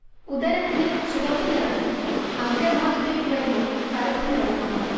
ഉദരത്തിനു ചുവപ്പ് നിറവും അഗ്രഭാഗത്തേക്ക് വരുമ്പോൾ കറുപ്പു നിറവുമാണ്